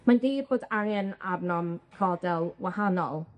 Mae'n glir bod angen arnom fodel wahanol.